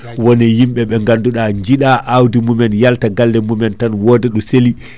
woni yimɓeɓe ganduɗa jiiɗa awdi mumen yalta galle mum tan woda ɗo seeli